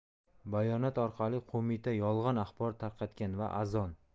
bayonot orqali qo'mita yolg'on axborot tarqatgan va azon